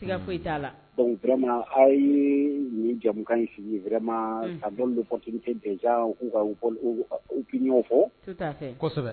La a ye nin jamumukan in sigi ka dɔ de fɔtigi tɛ bɛn k'u ka up fɔ